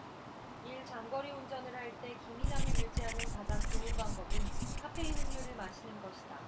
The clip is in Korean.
일 장거리 운전을 할 때 기민함을 유지하는 가장 좋은 방법은 카페인 음료를 마시는 것이다